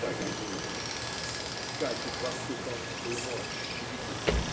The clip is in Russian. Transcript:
догоню!" Скачет во всю конскую мочь и видит